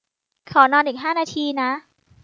ขอนอนอีกห้านาทีนะ